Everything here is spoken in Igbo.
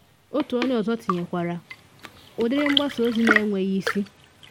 Otu onye ọzọ tinyekwara” “Ụdịrị mgbasa ozi na enweghị isi.”